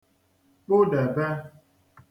kpụdèbe